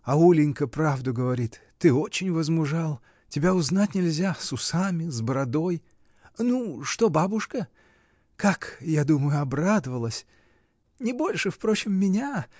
А Улинька правду говорит: ты очень возмужал, тебя узнать нельзя: с усами, с бородой! Ну, что бабушка? Как, я думаю, обрадовалась! Не больше, впрочем, меня.